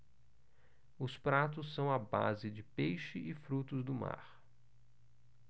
os pratos são à base de peixe e frutos do mar